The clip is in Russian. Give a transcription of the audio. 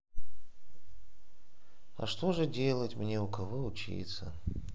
а что же делать мне у кого учиться